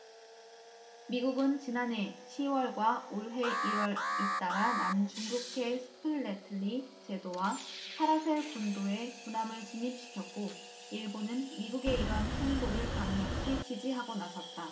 미국은 지난해 시 월과 올해 일 월 잇달아 남중국해 스프래틀리 제도와 파라셀 군도에 군함을 진입시켰고 일본은 미국의 이런 행보를 강력히 지지하고 나섰다